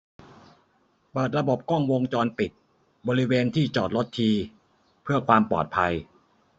เปิดระบบกล้องวงจรปิดบริเวณที่จอดรถทีเพื่อความปลอดภัย